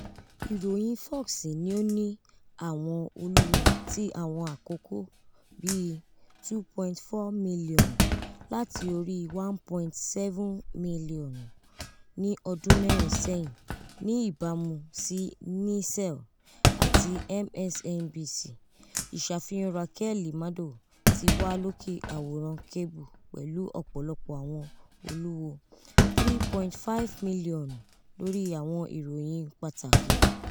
Iroyin Fox ni o ni awọn oluwo ti awọn akoko bi 2.4 milionu, lati ori 1.7 milionu ni ọdun mẹrin sẹyin, ni ibamu si Nielsen, ati MSNBC "Iṣafihan Rakeli Maddow" ti wa loke aworan kebu pẹlu ọpọlọpọ awọn oluwo 3.5 million lori awọn iroyin pataki.